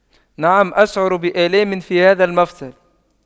نعم أشعر بآلام في هذا المفصل